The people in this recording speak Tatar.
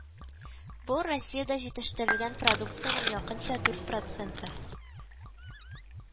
Бу, Россиядә җитештерелгән продукциянең якынча дүрт проценты